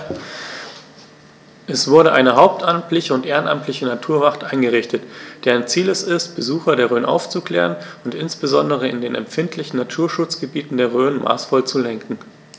Es wurde eine hauptamtliche und ehrenamtliche Naturwacht eingerichtet, deren Ziel es ist, Besucher der Rhön aufzuklären und insbesondere in den empfindlichen Naturschutzgebieten der Rhön maßvoll zu lenken.